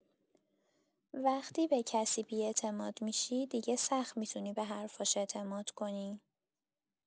وقتی به کسی بی‌اعتماد می‌شی، دیگه سخت می‌تونی به حرفاش اعتماد کنی.